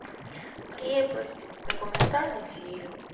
крепость документальный фильм